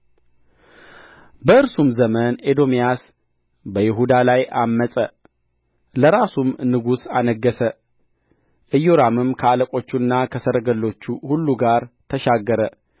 በእርሱም ዘመን ኤዶምያስ በይሁዳ ላይ ዐመፀ ለራሱም ንጉሥ አነገሠ ኢዮራምም ከአለቆቹና ከሰረገሎቹ ሁሉ ጋር ተሻገረ